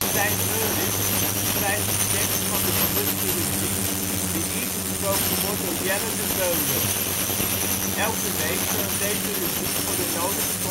Stijn Meuris schrijft de tekst van de bewuste rubriek die ingesproken wordt door Jelle De Beule. Elke week zorgt deze rubriek voor de nodige